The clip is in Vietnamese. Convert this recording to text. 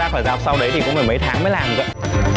ra khỏi rạp sau đấy thì cũng phải mấy tháng mới làm cơ ạ